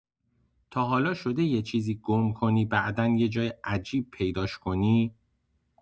تا حالا شده یه چیزی گم کنی بعدا یه جای عجیب پیداش کنی؟